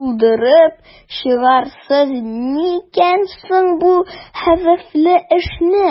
Булдырып чыгарсыз микән соң бу хәвефле эшне?